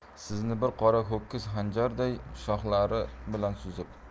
sizni bir qora ho'kiz xanjarday shoxlari bilan suzib